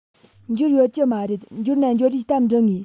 འབྱོར ཡོད ཀྱི མ རེད འབྱོར ན འབྱོར བའི གཏམ འབྲི ངེས